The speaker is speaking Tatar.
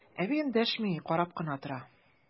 Әби эндәшми, карап кына тора.